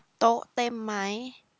โต๊ะเต็มไหม